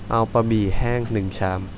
เอาบะหมี่แห้งหนึ่งชาม